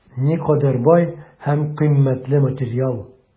Никадәр бай һәм кыйммәтле материал!